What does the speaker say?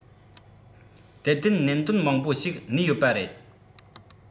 ཏན ཏན གནད དོན མང པོ ཞིག གནས ཡོད པ རེད